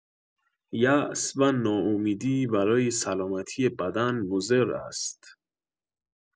یاس و ناامیدی برای سلامتی بدن مضر است